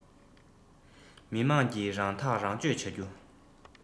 མི དམངས ཀྱིས རང ཐག རང གཅོད བྱ རྒྱུ